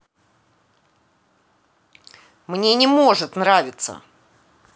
тебе не может нравиться